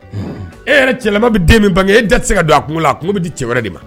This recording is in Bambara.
E yɛrɛ cɛ bɛ den min bange e tɛ se ka don a kun la kun bɛ di cɛ wɛrɛ de ma